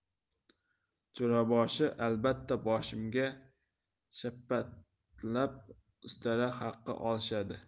jo'raboshi albatta boshimga shapatilab ustara haqi olishadi